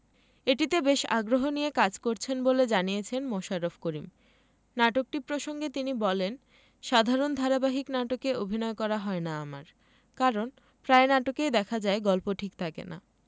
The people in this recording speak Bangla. এটিতে বেশ আগ্রহ নিয়ে কাজ করছেন বলে জানিয়েছেন মোশাররফ করিম নাটকটি প্রসঙ্গে তিনি বলেন সাধারণত ধারাবাহিক নাটকে অভিনয় করা হয় না আমার কারণ প্রায় নাটকেই দেখা যায় গল্প ঠিক থাকে না